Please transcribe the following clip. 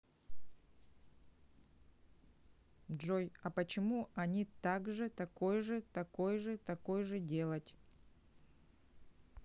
джой а почему они так же такой же такой же такое же делать